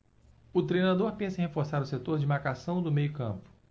o treinador pensa em reforçar o setor de marcação do meio campo